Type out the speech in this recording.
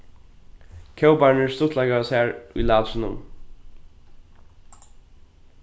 kóparnir stuttleikaðu sær í látrinum